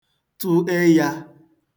tụ ẹya